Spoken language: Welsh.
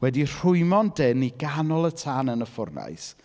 wedi'u rhwymo'n dyn i ganol y tân yn y ffwrnais.